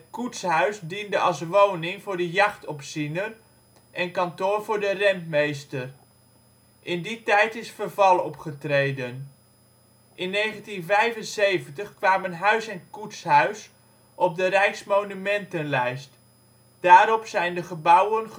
koetshuis diende als woning voor de jachtopziener en kantoor voor de rentmeester. In die tijd is verval opgetreden. In 1975 kwamen huis en koetshuis op de rijksmonumentenlijst. Daarop zijn de gebouwen